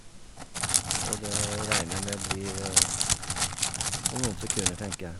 Og det regner jeg med blir om noen sekunder, tenker jeg.